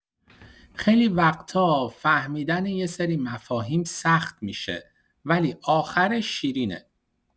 خیلی وقتا فهمیدن یه سری مفاهیم سخت می‌شه، ولی آخرش شیرینه.